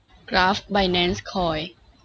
กราฟไบแนนซ์คอย